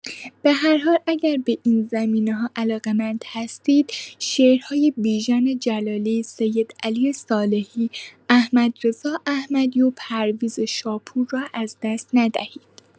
به هر حال اگر به این زمینه‌ها علاقه‌مند هستید شعرهای بیژن جلالی، سیدعلی صالحی، احمدرضا احمدی و پرویز شاپور را از دست ندهید.